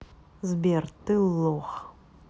сбер ты лох